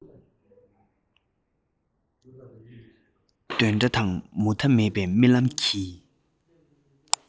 འདོན སྒྲ དང མུ མཐའ མེད པའི རྨི ལམ གྱི